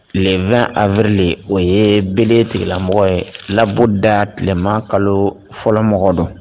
ari o ye bereele tigɛlamɔgɔ ye labɔ da tileman kalo fɔlɔ mɔgɔ dɔn